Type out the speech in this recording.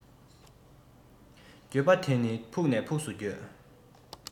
འགྱོད པ དེ ནི ཕུགས ནས ཕུགས སུ འགྱོད